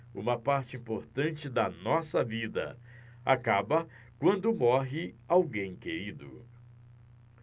uma parte importante da nossa vida acaba quando morre alguém querido